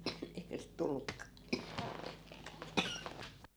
eihän sitä tullutkaan